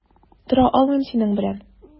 Тора алмыйм синең белән.